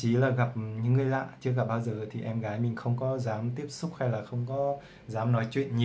thậm chí gặp người lạ em gái mình không dám tiếp xúc không dám nói chuyện nhiều